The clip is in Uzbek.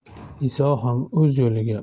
iso ham o'z yo'liga